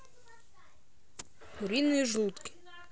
куриные желудки